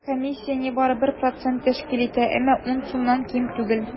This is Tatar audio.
Комиссия нибары 1 процент тәшкил итә, әмма 10 сумнан ким түгел.